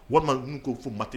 Walima n k'o fɔ ma tɛ